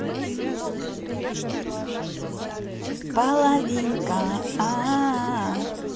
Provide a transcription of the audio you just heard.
половинка ааа